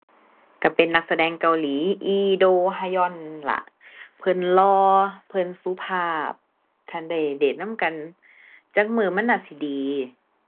ก็เป็นนักแสดงเกาหลีอีโดฮยอนล่ะ เพิ่นหล่อ เพิ่นสุภาพ คันได้เดทนำกันจักมื้อมันน่าสิดี